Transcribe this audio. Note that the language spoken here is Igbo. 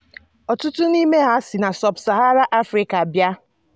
Ọtụtụ n'ime ha sị na sub-Sahara Afrịka bịa.